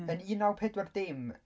Yn un naw pedwar dim.